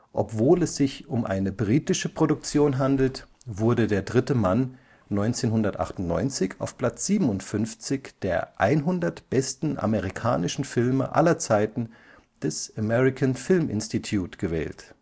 Obwohl es sich um eine britische Produktion handelt, wurde Der dritte Mann 1998 auf Platz 57 der 100 besten amerikanischen Filme aller Zeiten des American Film Institute gewählt